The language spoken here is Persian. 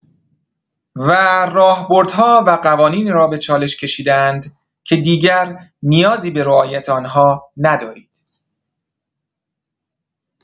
و راهبردها و قوانینی را به چالش کشیده‌اند که دیگر نیازی به رعایت آن‌ها ندارید.